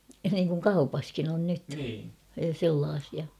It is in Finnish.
niin kuin kaupassakin on nyt sellaisia